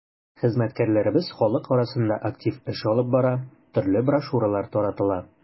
Хезмәткәрләребез халык арасында актив эш алып бара, төрле брошюралар таратыла.